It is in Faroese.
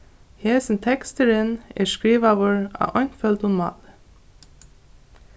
hesin teksturin er skrivaður á einføldum máli